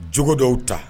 Jo dɔw ta